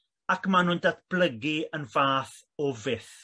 ac ma' n'w'n datblygu yn fath o fyth.